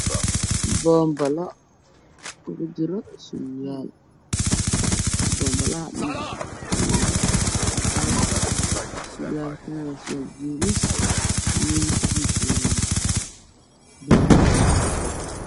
Waa banbale waxaa ku jiro survival james cadaan ah ishati james ah oo madow ah